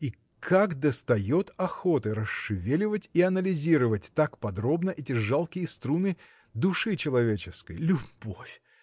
И как достает охоты расшевеливать и анализировать так подробно эти жалкие струны души человеческой. любовь!